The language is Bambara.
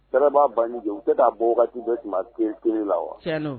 Fɛrɛ' banjɛ u bɛ taa bɔ bɛɛ tun kelen la wa